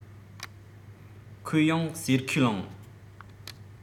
ཁོས ཡོང ཟེར ཁས བླངས